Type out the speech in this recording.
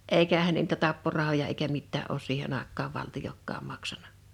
eikähän ne niitä tapporahoja eikä mitään ole siihen aikaan valtiokaan maksanut